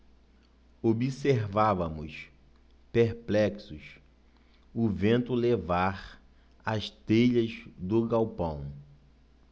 observávamos perplexos o vento levar as telhas do galpão